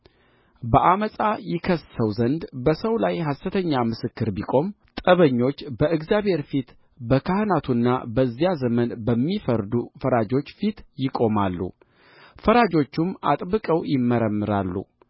በዓመፃ ይከስሰው ዘንድ በሰው ላይ ሐሰተኛ ምስክር ቢቆም ሁለቱ ጠበኞች በእግዚአብሔር ፊት በካህናቱና በዚያ ዘመን በሚፈርዱ ፈራጆች ፊት ይቆማሉ ፈራጆቹም አጥብቀው ይመረምራሉ